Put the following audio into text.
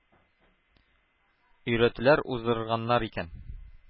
Өйрәтүләр уздырганнар икән